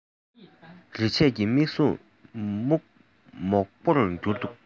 རེ ཆད ཀྱི མིག ཟུང མོག པོར གྱུར འདུག